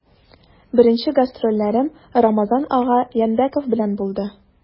Беренче гастрольләрем Рамазан ага Янбәков белән булды.